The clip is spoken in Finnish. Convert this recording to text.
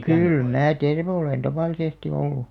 kyllä minä terve olen tavallisesti ollut